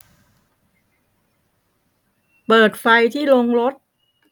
เปิดไฟที่โรงรถ